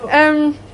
Yym.